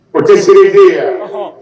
O tɛ seere den yan